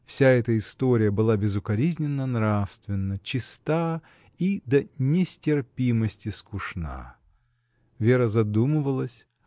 Вся эта история была безукоризненно нравственна, чиста и до нестерпимости скучна. Вера задумывалась.